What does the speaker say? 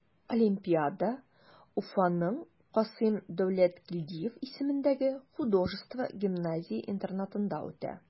Олимпиада Уфаның Касыйм Дәүләткилдиев исемендәге художество гимназия-интернатында үтә.